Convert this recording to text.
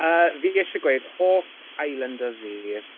Yy, fi isie gweud, hoff islander fi...